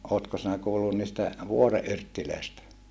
oletko sinä kuullut niistä vuoren yrteistä